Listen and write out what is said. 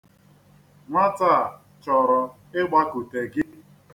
Nwata a chọrọ ịgbakute gị?